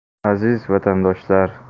aziz vatandoshlar